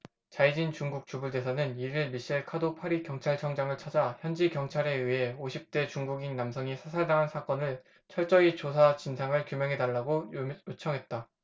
자이쥔 중국 주불대사는 일 일 미셀 카도 파리 경찰청장을 찾아 현지 경찰에 의해 오십 대 중국인 남성이 사살당한 사건을 철저히 조사 진상을 규명해달라고 요청했다